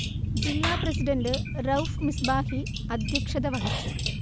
ജില്ല പ്രസിഡൻറ് റഊഫ് മിസ്ബാഹി അധ്യക്ഷത വഹിച്ചു